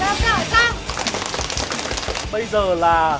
ạ bây giờ là